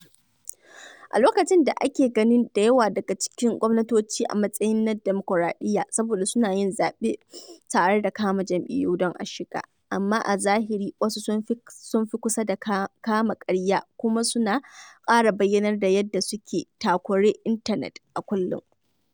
A lokacin da ake ganin da yawa daga cikin gwamnatoci a matsayin na dimukuraɗiyya saboda suna yin zaɓe tare da kafa jam'iyyu don a shiga, amma a zahiri, wasu sun fi kusa da kama-karya - kuma suna ƙara bayyanar da yadda suke takure intanet a kullum.